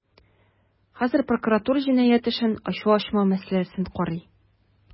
Хәзер прокуратура җинаять эшен ачу-ачмау мәсьәләсен карый.